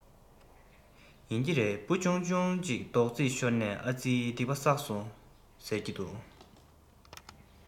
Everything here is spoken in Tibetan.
ཡིན གྱི རེད འབུ ཆུང ཆུང ཅིག རྡོག རྫིས ཤོར ནའི ཨ རྩི སྡིག པ བསགས སོང ཟེར གྱི འདུག